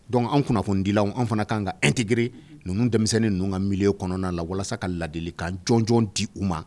Dɔnku an kunnafonidilaw an fana ka kan ka an tɛgrere ninnu denmisɛnninni ninnu ka mili kɔnɔna la walasa ka ladieli kaj di u ma